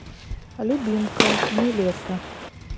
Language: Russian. любимка нилетто